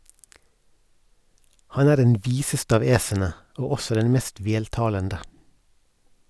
Han er den viseste av æsene og også den mest veltalende.